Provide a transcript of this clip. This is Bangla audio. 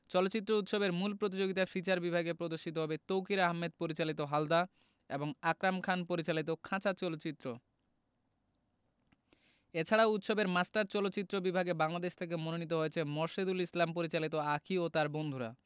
চলচ্চিত্র উৎসবের মূল প্রতিযোগিতা ফিচার বিভাগে প্রদর্শিত হবে তৌকীর আহমেদ পরিচালিত হালদা ও আকরাম খান পরিচালিত খাঁচা চলচ্চিত্র এছাড়াও উৎসবের মাস্টার চলচ্চিত্র বিভাগে বাংলাদেশ থেকে মনোনীত হয়েছে মোরশেদুল ইসলাম পরিচালিত আঁখি ও তার বন্ধুরা